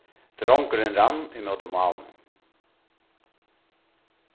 drongurin rann ímóti málinum